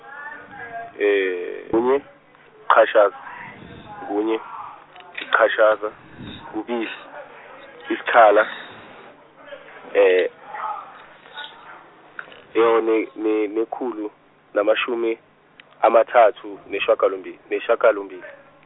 kunye, ichashaza, kunye, ichashaza, kubili, isikhala, ne- ne- nekhulu, namashumi amathathu, nesishagalombi-, nesishagalombili.